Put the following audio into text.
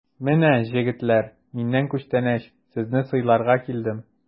Менә, җегетләр, миннән күчтәнәч, сезне сыйларга килдем!